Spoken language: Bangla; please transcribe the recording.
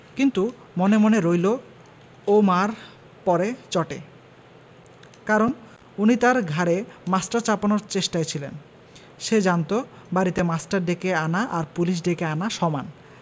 কিন্তু মনে মনে রইল ও মা'র 'পরে চটে কারণ উনি তার ঘাড়ে মাস্টার চাপানোর চেষ্টায় ছিলেন সে জানত বাড়িতে মাস্টার ডেকে আনা আর পুলিশ ডেকে আনা সমান